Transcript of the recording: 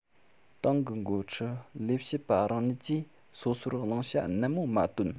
ཏང གི འགོ ཁྲིད ལས བྱེད པ རང ཉིད ཀྱིས སོ སོར བླང བྱ ནན པོ མ བཏོན